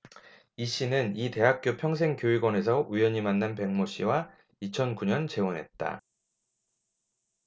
이씨는 이 대학교 평생교육원에서 우연히 만난 백모씨와 이천 구 년 재혼했다